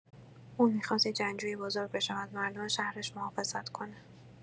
اون می‌خواست یه جنگجوی بزرگ بشه و از مردم شهرش محافظت کنه.